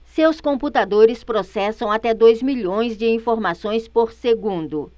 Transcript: seus computadores processam até dois milhões de informações por segundo